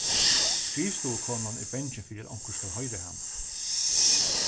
skrivstovukonan er bangin fyri at onkur skal hoyra hana